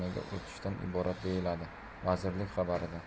tizimiga o'tishdan iborat deyiladi vazirlik xabarida